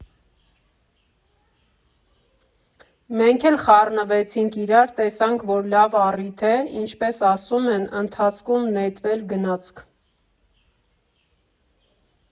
Մենք էլ խառնվեցինք իրար, տեսանք, որ լավ առիթ է, ինչպես ասում են, ընթացքում նետվել գնացք։